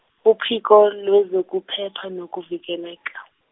uphiko lwezokuPhepha nokuVikeleka.